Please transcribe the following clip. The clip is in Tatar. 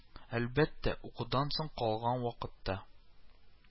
Әлбәттә, укудан соң калган вакытта